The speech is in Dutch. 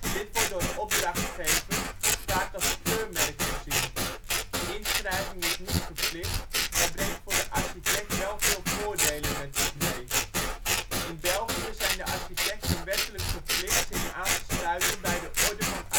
Dit wordt door opdrachtgevers vaak als keurmerk gezien. Inschrijving is niet verplicht, maar brengt voor de architect wel veel voordelen met zich mee. In België zijn de architecten wettelijk verplicht zich aan te sluiten bij de " Orde van